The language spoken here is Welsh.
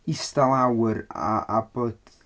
Eistedd lawr a a bod...